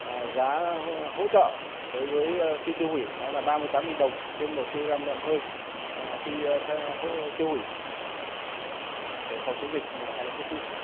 ờ giá hỗ trợ đối với khi tiêu hủy đó là ba mươi tám nghìn đồng trên một ki lô gam lợn hơi khi tiêu hủy để phòng chống dịch tả lợn châu phi